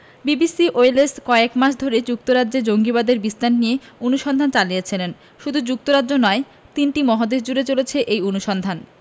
BBC Wales কয়েক মাস ধরে যুক্তরাজ্যে জঙ্গিবাদের বিস্তার নিয়ে অনুসন্ধান চালিয়েছে শুধু যুক্তরাজ্য নয় তিনটি মহাদেশজুড়ে চলেছে এই অনুসন্ধান